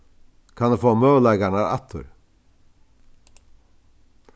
kann eg fáa møguleikarnar aftur